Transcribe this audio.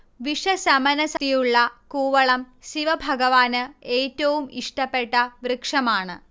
വിഷശമനശക്തിയുളള കൂവളം ശിവഭഗവാന് ഏറ്റവും ഇഷ്ടപ്പെട്ട വൃക്ഷമാണ്